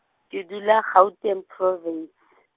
ke dula Gauteng Province.